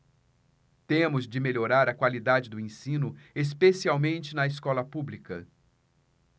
temos de melhorar a qualidade do ensino especialmente na escola pública